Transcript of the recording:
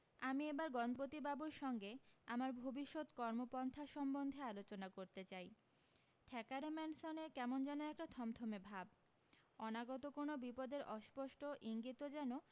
আমি এবার গণপতিবাবুর সঙ্গে আমার ভবিষ্যত কর্মপন্থা সম্বন্ধে আলোচনা করতে চাই থ্যাকারে ম্যানসনে কেমন যেন একটা থমথমে ভাব অনাগত কোনো বিপদের অস্পষ্ট ইঙ্গিতও যেন